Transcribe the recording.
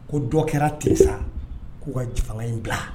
Ko dɔ kɛra tile sa k'u ka in bila